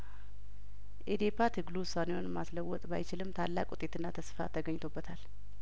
ኢዴፓ ትግሉ ውሳኔውን ማስ ለወጥ ባይችልም ታላቅ ውጤትና ተስፋ ተገኝቶ በታል